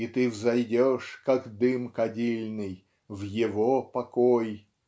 И ты взойдешь как дым кадильный В Его покой